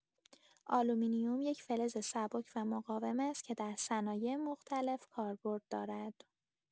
آلومینیوم یک فلز سبک و مقاوم است که در صنایع مختلف کاربرد دارد.